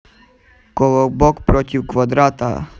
колобок против квадрата